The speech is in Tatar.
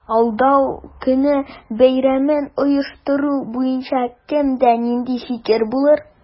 Алдау көне бәйрәмен оештыру буенча кемдә нинди фикер булыр?